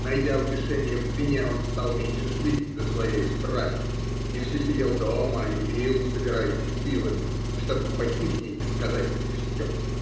Найдя утешение в вине, он стал меньше следить за своею страстью и все сидел дома и пил, собираясь с силами, чтобы пойти к ней и сказать все.